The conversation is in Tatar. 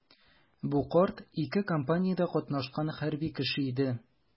Бу карт ике кампаниядә катнашкан хәрби кеше иде.